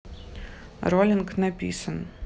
rolling написан